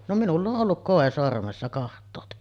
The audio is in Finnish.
no minulla on ollut koi sormessa katsokaa